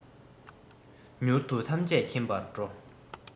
མྱུར དུ ཐམས ཅད མཁྱེན པར འགྲོ